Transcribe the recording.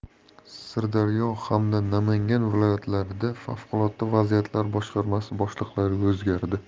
sirdaryo hamda namangan viloyatlarida favqulodda vaziyatlar boshqarmasi boshliqlari o'zgardi